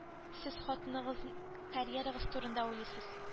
Сез хатыныгыз карьерагыз турында уйлыйсыз